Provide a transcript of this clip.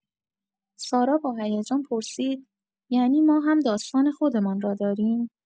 سارا با هیجان پرسید: «یعنی ما هم‌داستان خودمان را داریم؟»